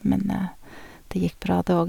Men det gikk bra det òg.